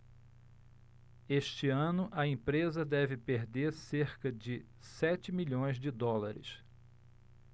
este ano a empresa deve perder cerca de sete milhões de dólares